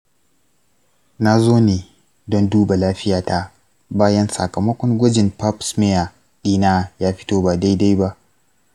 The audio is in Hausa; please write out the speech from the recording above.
na zo ne don duba lafiyata bayan sakamakon gwajin pap smear ɗina ya fito ba daidai ba.